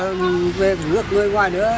về người ngoài nữa